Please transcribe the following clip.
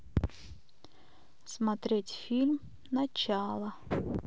смотреть фильм начало